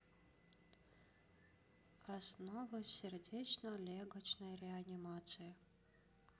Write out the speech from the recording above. основы сердечно легочной реанимации